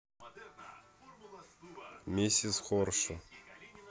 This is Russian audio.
миссис хоршо